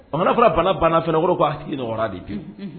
Amana kura bana banna f k' nɔgɔya de bi